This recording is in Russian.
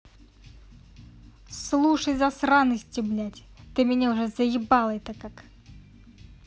слушай засранности блядь ты меня уже заебала это как